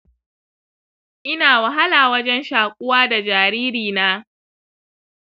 ina wahala wajen shakuwa da jariri na